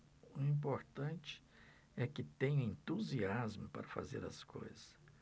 o importante é que tenho entusiasmo para fazer as coisas